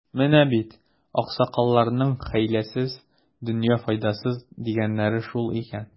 Менә бит, аксакалларның, хәйләсез — дөнья файдасыз, дигәннәре шул икән.